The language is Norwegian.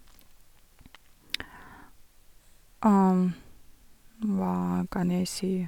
Hva kan jeg si?